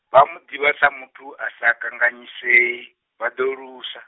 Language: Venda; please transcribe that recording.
vha mu ḓivha sa muthu a sa kanganyisei, vha ḓo lusa.